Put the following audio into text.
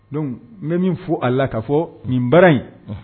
Don ne min fo a la ka fɔ nin baara in